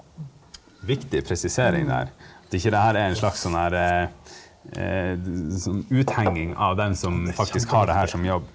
viktig presisering der, at ikke det her er en slags sånn her sånn uthenging av dem som faktisk har det her som jobb.